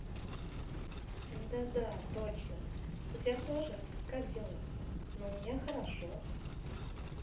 да да точно у тебя тоже как дела но у меня хорошо